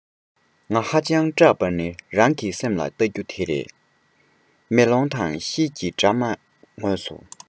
ང ཧ ཅང སྐྲག པ ནི རང གི སེམས ལ བལྟ རྒྱུ དེ རེད མེ ལོང དང ཤེལ གྱི དྲ མའི ངོས སུ